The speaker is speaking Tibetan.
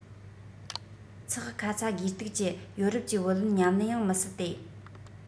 ཚེག ཁ ཚ དགོས གཏུགས ཀྱི ཡོ རོབ ཀྱི བུ ལོན ཉམས ཉེན ཡང མི སྲིད དེ